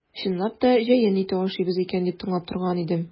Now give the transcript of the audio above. Чынлап та җәен ите ашыйбыз икән дип тыңлап торган идем.